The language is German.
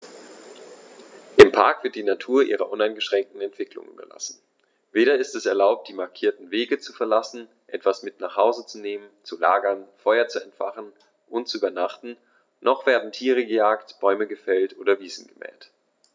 Im Park wird die Natur ihrer uneingeschränkten Entwicklung überlassen; weder ist es erlaubt, die markierten Wege zu verlassen, etwas mit nach Hause zu nehmen, zu lagern, Feuer zu entfachen und zu übernachten, noch werden Tiere gejagt, Bäume gefällt oder Wiesen gemäht.